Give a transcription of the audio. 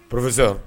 Pa